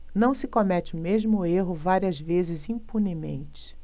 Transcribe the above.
não se comete o mesmo erro várias vezes impunemente